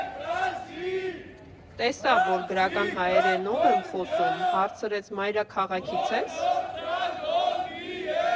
Տեսավ, որ գրական հայերենով եմ խոսում, հարցրեց՝ մայրաքաղաքի՞ց ես։